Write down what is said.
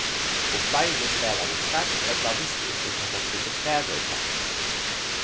og fleiri svaraðu skeivt ella vistu ikki hvat teir skuldu svara uppá